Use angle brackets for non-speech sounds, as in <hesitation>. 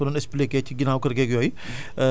<hesitation> nu ñu mën a def ba am yenn phosphate yi